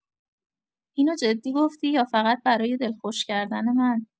اینو جدی گفتی یا فقط برای دلخوش کردن من؟